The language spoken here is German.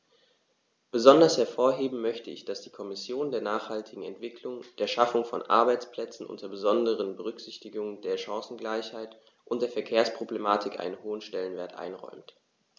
Besonders hervorheben möchte ich, dass die Kommission der nachhaltigen Entwicklung, der Schaffung von Arbeitsplätzen unter besonderer Berücksichtigung der Chancengleichheit und der Verkehrsproblematik einen hohen Stellenwert einräumt.